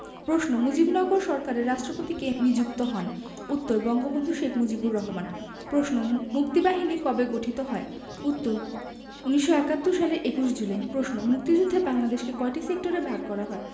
প্রশ্ন মুজিবনগর সরকারের রাষ্ট্রপতি কে নিযুক্ত হন উত্তর বঙ্গবন্ধু শেখ মুজিবুর রহমান প্রশ্ন মুক্তিবাহিনী কবে গঠিত হয় উত্তর ১৯৭১ সালের ১১ জুলাই প্রশ্ন মুক্তিযুদ্ধে বাংলাদেশকে কয়টি সেক্টরে ভাগ করা হয়